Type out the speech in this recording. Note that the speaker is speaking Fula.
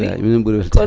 wallay minen ɓuuri weltade